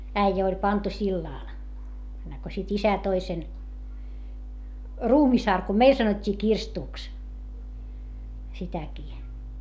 äijä oli pantu sillalle ennen kuin sitten isä toi sen ruumisarkun meille sanottiin kirstuksi sitäkin